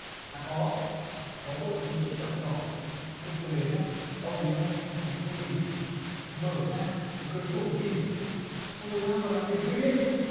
à có có một tí trục trặc nhỏ lúc tôi đến nhá ông ấy đang xem một cái phong bì mở ra rồi cười tủm tỉm xong rồi lao vào làm việc như điên